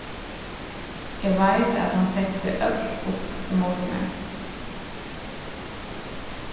eg veit at hann setti øll upp ímóti mær